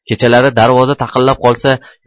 kechalari darvoza taqillab qolsa